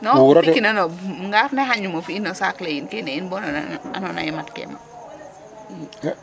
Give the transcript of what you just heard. Non fi'kino no ngaaf ne xaƴa o fi'in no saak le yiin kene yiin bo andoona yee matkee ma .